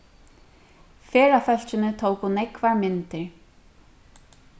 ferðafólkini tóku nógvar myndir